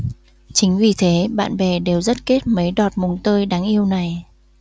chính vì thế bạn bè đều rất kết mấy đọt mồng tơi đáng yêu này